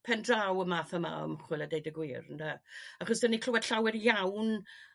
pen draw y math yma o ymchwil a deud y gwir ynde achos dan ni clywed llawer iawn